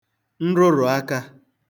nrụrụ̀akā